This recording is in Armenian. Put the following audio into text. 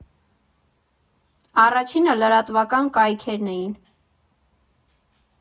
Առաջինը լրատվական կայքերն էին։